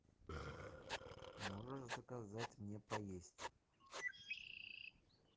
можешь заказать мне поесть